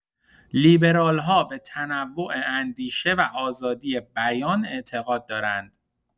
لیبرال‌ها به تنوع اندیشه و آزادی بیان اعتقاد دارند.